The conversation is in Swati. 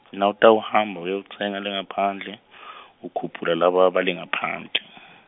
Nawutawuhamba uyowutsenga lengaphandle , ukhuphula laba, bale ngaphandle.